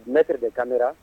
Dunere de kamamera